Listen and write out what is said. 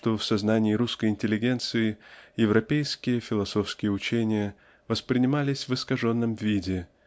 что в сознании русской интеллигенции европейские философские учения воспринимались в искаженном виде